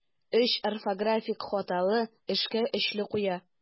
Өч орфографик хаталы эшкә өчле куела.